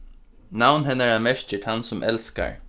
navn hennara merkir tann sum elskar